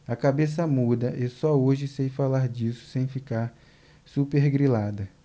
a cabeça muda e só hoje sei falar disso sem ficar supergrilada